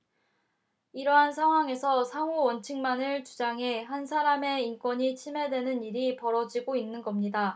이런 상황에서 상호주의 원칙만을 주장해 한 사람의 인권이 침해되는 일이 벌어지고 있는 겁니다